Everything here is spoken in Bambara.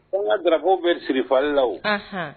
Anw ka drapeau bɛ siri fali la wo;